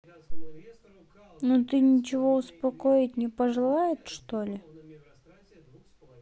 но ты ничего успокоить не пожелает что ли